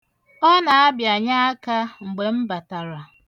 Ọ na-abịanye aka mgbe m batara.